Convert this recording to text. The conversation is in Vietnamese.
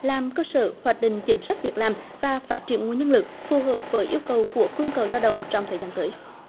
làm cơ sở hoạch định chính sách việc làm và phát triển nguồn nhân lực phù hợp với yêu cầu của cung cầu lao động trong thời gian tới